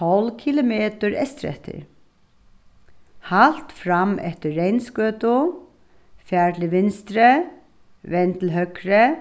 tólv kilometur eystureftir halt fram eftir reynsgøtu far til vinstri vend til høgri